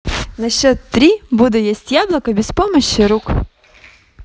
на счет три буду есть яблоко без помощи рук